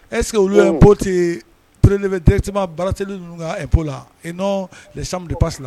Ɛsseke olu ye pote purele bɛ tretima barateeli ninnuo la i n nɔn hammu pa la